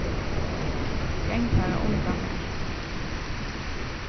gang bara undan mær